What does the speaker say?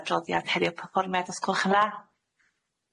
Adroddiad heddiw perfformiad os gwelwch yn dda?